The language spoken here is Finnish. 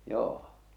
joo